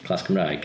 Class Cymraeg.